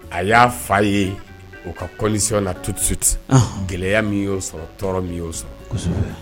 A y'a fa ye o ka kɔnsi na tututi gɛlɛyaya min y'o sɔrɔ tɔɔrɔ min y'o